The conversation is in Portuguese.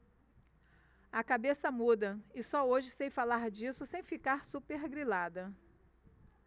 a cabeça muda e só hoje sei falar disso sem ficar supergrilada